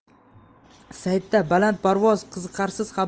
saytda balandparvoz qiziqarsiz